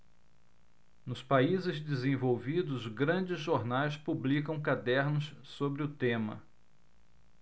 nos países desenvolvidos os grandes jornais publicam cadernos sobre o tema